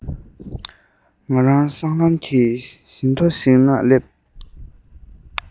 ང རང སྲང ལམ གྱི བཞི མདོ ཞིག ན སླེབས